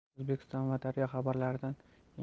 o'zbekiston va dunyo xabarlaridan